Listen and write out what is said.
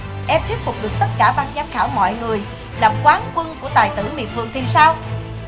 em thuyết phục được tất cả ban giám khảo mọi người là quán quân của tài tử miệt vườn thì sao